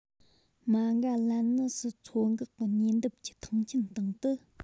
མ འགའ ལན ནི སི མཚོ འགག གི ཉེ འདབས ཀྱི ཐང ཆེན སྟེང དུ